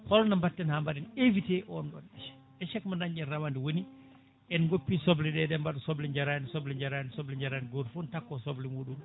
holno batten ha mbaɗen évité on ɗon échec échec mo dañɗen rawade woni en goppi sobleɗe eɗen mbaɗa soble jarani soble jarani soble jarani soble goto foof ne takko soble muɗum